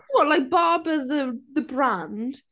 What like Barbour the brand?